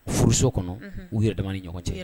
Furuso kɔnɔ u yɛrɛ da ni ɲɔgɔn cɛ